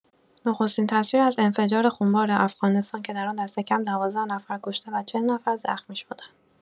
نخستین تصویر از انفجار خونبار افغانستان که در آن دست‌کم ۱۲ نفر کشته و ۴۰ نفر زخمی شدند.